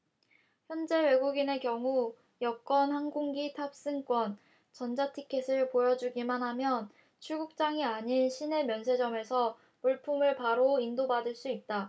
현재 외국인의 경우 여권 항공기 탑승권 전자티켓을 보여주기만 하면 출국장이 아닌 시내면세점에서 물품을 바로 인도받을 수 있다